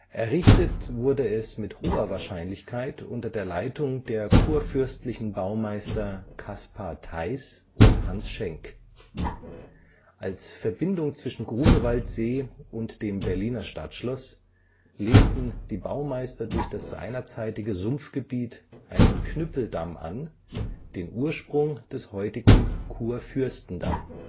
Errichtet wurde es mit hoher Wahrscheinlichkeit unter der Leitung der kurfürstlichen Baumeister Caspar Theiss und Hans Schenk. Als Verbindung zwischen Grunewaldsee und dem Berliner Stadtschloss legten die Baumeister durch das seinerzeitige Sumpfgebiet einen Knüppeldamm an, den Ursprung des heutigen Kurfürstendamm